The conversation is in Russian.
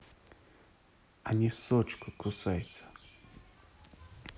анисочку кусаются